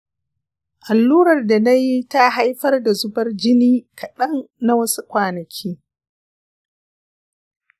allurar da na yi ta haifar da zubar jini kaɗan na wasu kwanaki.